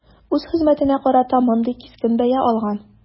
Үз хезмәтенә карата мондый кискен бәя алган.